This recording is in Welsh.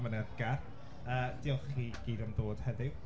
Amyneddgar. Yy diolch i chi i gyd am ddod heddiw.